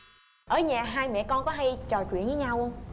ở nhà hai mẹ con có hay trò chuyện với nhau không